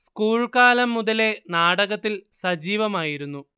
school കാലം മുതലേ നാടകത്തിൽ സജീവമായിരുന്നു